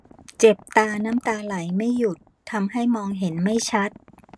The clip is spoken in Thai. เจ็บตาน้ำตาไหลไม่หยุดทำให้มองเห็นไม่ชัด